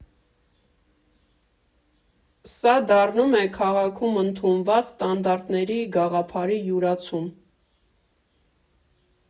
Սա դառնում է քաղաքում ընդունված ստանդարտների գաղափարի յուրացում։